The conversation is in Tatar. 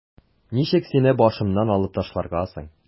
Ничек сине башымнан алып ташларга соң?